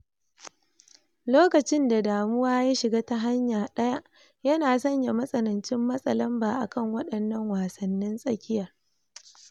Lokacin da damuwa ya shiga ta hanya ɗaya, yana sanya matsanancin matsa lamba a kan waɗannan wassanin tsakiyar.